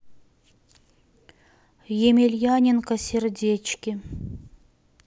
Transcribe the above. емельяненко сердечки